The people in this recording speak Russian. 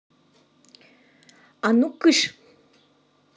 а ну кыш